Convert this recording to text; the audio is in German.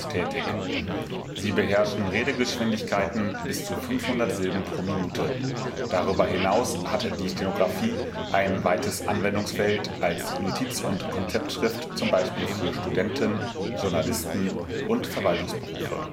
Sie beherrschen Redegeschwindigkeiten bis zu 500 Silben pro Minute. Darüber hinaus hat die Stenografie ein weites Anwendungsfeld als Notiz - und Konzeptschrift zum Beispiel für Studenten, Journalisten und Verwaltungsberufe